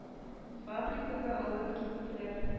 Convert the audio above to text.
Фабрикага алып киттеләр.